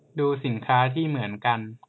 ดูสินค้าที่เหมือนกัน